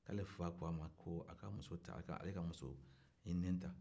k'ale fa kɔ a ma ka muso ta ale ka muso ɲininen ta